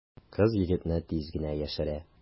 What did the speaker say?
Кыз егетне тиз генә яшерә.